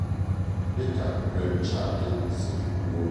Dị ka Prem Chand siri kwuo: